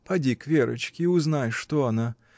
— Поди к Верочке и узнай, что она?